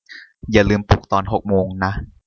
อย่าลืมปลุกตอนหกโมงนะ